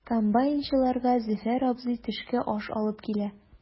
Комбайнчыларга Зөфәр абзый төшке аш алып килә.